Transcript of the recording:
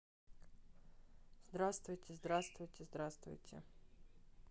здравствуйте здравствуйте здравствуйте